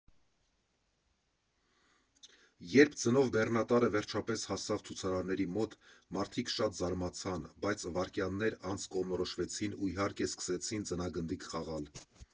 Երբ ձնով բեռնատարը վերջապես հասավ ցուցարարների մոտ, մարդիկ շատ զարմացան, բայց վայրկյաններ անց կողմնորոշվեցին ու, իհարկե, սկսեցին ձնագնդիկ խաղալ։